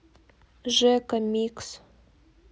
жека микс